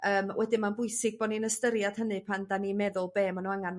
Yym wedyn ma'n bwysig bo' ni'n ystyried hynny pan 'dan ni'n meddwl be' ma' nw angan